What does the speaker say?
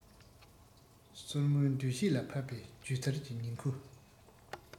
སོར མོའི འདུ བྱེད ལ ཕབ པའི སྒྱུ རྩལ གྱི ཉིང ཁུ